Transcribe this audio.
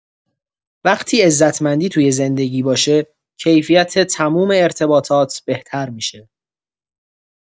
وقتی عزتمندی توی زندگی باشه، کیفیت تموم ارتباطات بهتر می‌شه.